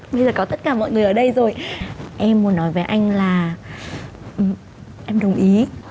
như là có tất cả mọi người ở đây rồi em muốn nói với anh là ừ em đồng ý